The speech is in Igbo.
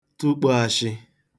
tụkpo ashị